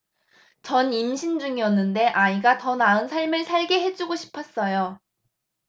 전 임신 중이었는데 아이가 더 나은 삶을 살게 해 주고 싶었어요